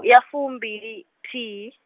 ya fumbilinthihi.